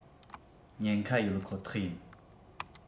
ཉན ཁ ཡོད ཁོ ཐག ཡིན